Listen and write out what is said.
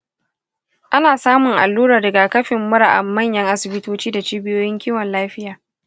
ana samun allurar rigakafin mura a manyan asibitoci da cibiyoyin kiwon lafiya.